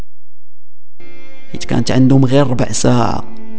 كنت عندهم غير ربع ساعه